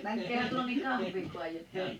menkäähän tuonne niin kahvia kaadetaan